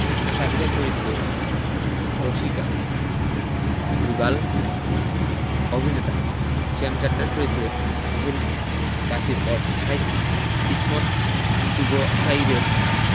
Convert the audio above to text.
সাফিয়া চরিত্রে রসিকা দুগাল অভিনেতা শ্যাম চাড্ডার চরিত্রে তাহির ভাসির ও সাহিত্যিক ইসমত চুগতাইরের